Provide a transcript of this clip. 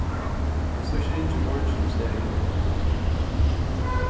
kanst tú ikki ringja í morgin í staðin